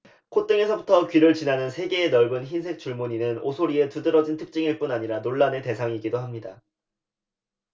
콧등에서부터 귀를 지나는 세 개의 넓은 흰색 줄무늬는 오소리의 두드러진 특징일 뿐 아니라 논란의 대상이기도 합니다